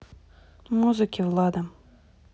музыки влада